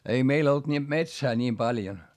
ei meillä ollut niin metsää niin paljon